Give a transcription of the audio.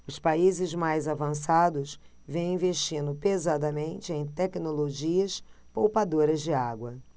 os países mais avançados vêm investindo pesadamente em tecnologias poupadoras de água